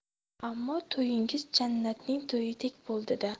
ammo to'yingiz jannatning to'yidek bo'ldi da